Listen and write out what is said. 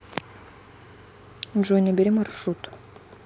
джой набери маршрут